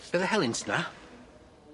Be' o'dd y helynt 'na?